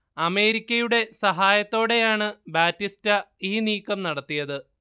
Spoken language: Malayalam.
അമേരിക്കയുടെ സഹായത്തോടെയാണ് ബാറ്റിസ്റ്റ ഈ നീക്കം നടത്തിയത്